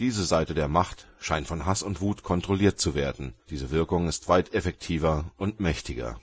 diese Seite der Macht scheint von Hass und Wut kontrolliert zu werden – diese Wirkung ist weit effektiver und mächtiger